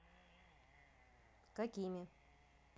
какими